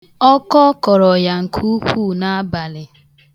Ọkọ kọrọ ya nke ukwuu n'abalị.